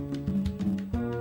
Sanunɛ